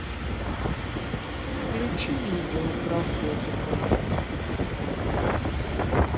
включи видео про котиков